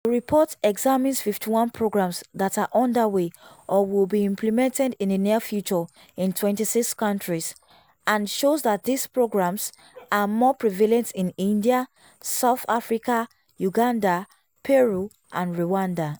The report examines 51 programs that are underway or will be implemented in the near future in 26 countries, and shows that these programs are more prevalent in India, South Africa, Uganda, Peru, and Rwanda.